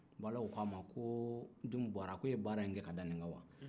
o k'a ma junmu buwarɛ e ye baara in kɛ d'a nin kan wa